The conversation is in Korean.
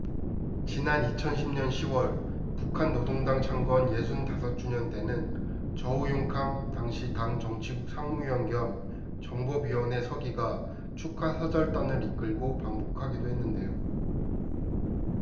지난 이천 십 년 시 월 북한 노동당 창건 예순 다섯 주년 때는 저우융캉 당시 당 정치국 상무위원 겸 정법위원회 서기가 축하사절단을 이끌고 방북하기도 했는데요